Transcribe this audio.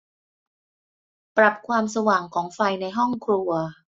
ปรับความสว่างของไฟในห้องครัว